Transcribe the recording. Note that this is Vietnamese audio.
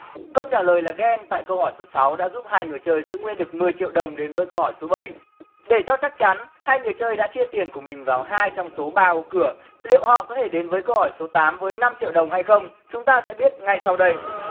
câu trả lời là ghen tại câu hỏi số sáu đã giúp hai người chơi giữ nguyên được mười triệu đồng đến với câu hỏi số bảy để cho chắc chắn hai người chơi đã chia tiền của mình vào hai trong số ba ô cửa liệu họ có thể đến với câu hỏi số tám với năm triệu đồng hay không chúng ta sẽ biết ngay sau đây